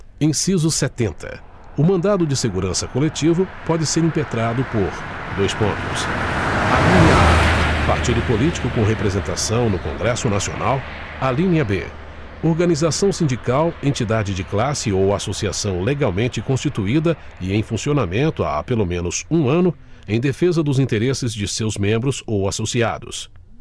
inciso setenta o mandado de segurança coletivo pode ser impetrado por dois pontos alínea a partido político com representação no congresso nacional alínea b organização sindical entidade de classe ou associação legalmente constituída e em funcionamento há pelo menos um ano em defesa dos interesses de seus membros ou associados